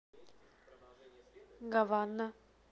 гавана